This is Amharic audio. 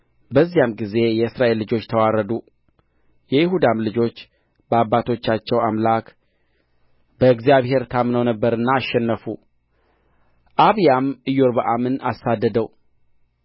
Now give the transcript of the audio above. በዚያም ጊዜ የእስራኤል ልጆች ተዋረዱ የይሁዳም ልጆች በአባቶቻቸው አምላክ በእግዚአብሔር ታምነው ነበርና አሸነፉ አብያም ኢዮርብዓምን አሳደደው